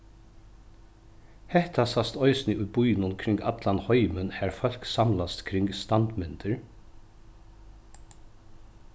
hetta sæst eisini í býnum kring allan heimin har fólk samlast kring standmyndir